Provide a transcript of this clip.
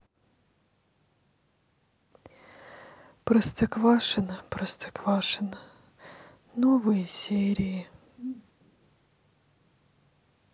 простоквашино простоквашино новые серии